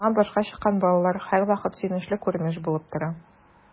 Шуңа “башка чыккан” балалар һәрвакыт сөенечле күренеш булып тора.